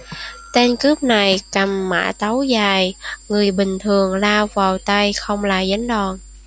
tên cướp này cầm mã tấu dài người bình thường lao vào tay không là dính đòn